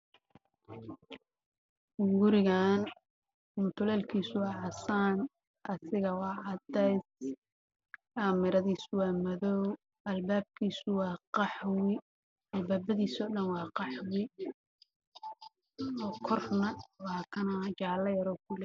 Waa guri cadees ah mutuleelkiisa waa casaan